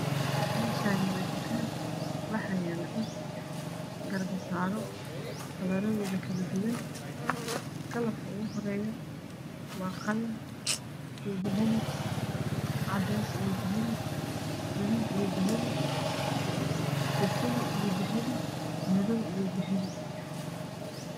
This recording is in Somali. Meshan waa dukaan waxa yaalo garbasaaro kalaradooda kaladuwan, kalarkooda waa qalin, dahbi, cadees, madow, gaduud iyo basle